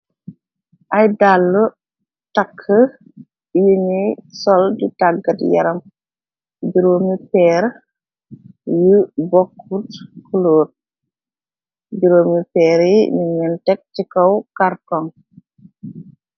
Ay dàll takk yuñuy sol di tàggat yaram juromi peer yu bokkurt clor juroomi feer yi ñiñen tek ci kaw karkong.